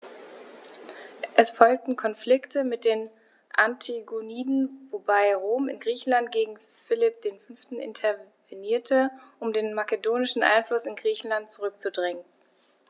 Es folgten Konflikte mit den Antigoniden, wobei Rom in Griechenland gegen Philipp V. intervenierte, um den makedonischen Einfluss in Griechenland zurückzudrängen.